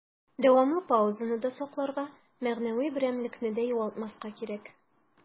Дәвамлы паузаны да сакларга, мәгънәви берәмлекне дә югалтмаска кирәк.